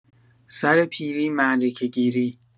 سر پیری معرکه‌گیری